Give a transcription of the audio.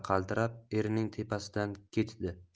qaltirab erining tepasidan ketdi